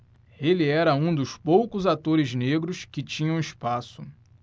ele era um dos poucos atores negros que tinham espaço